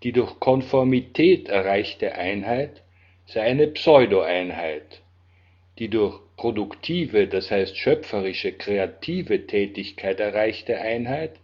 durch Konformität erreichte Einheit sei eine Pseudo-Einheit, die durch produktive, d. h. schöpferische, kreative Tätigkeit erreichte Einheit